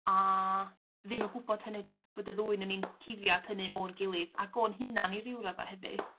A ddim yn gwbod hynny 'de? Bod y ddwy 'nyn ni'n cuddiad hynny o'n gilydd ag o'n hunain i ryw radda hefyd.